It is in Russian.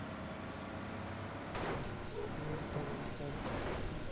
а мы летали летали